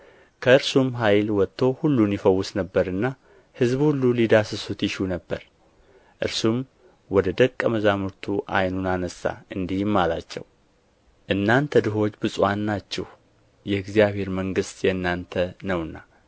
ከእርሱም ኃይል ወጥቶ ሁሉን ይፈውስ ነበርና ሕዝቡ ሁሉ ሊዳስሱት ይሹ ነበር እርሱም ወደ ደቀ መዛሙርቱ ዓይኑን አነሣ እንዲህም አላቸው እናንተ ድሆች ብፁዓን ናችሁ የእግዚአብሔር መንግሥት የእናንተ ነውና